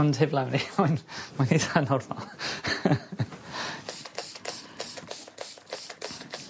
On heblaw neud hw mae'n eita normal.